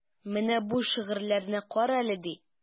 Менә бу шигырьләрне карале, ди.